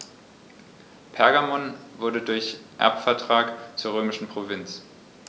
Pergamon wurde durch Erbvertrag zur römischen Provinz.